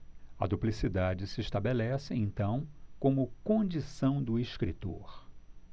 a duplicidade se estabelece então como condição do escritor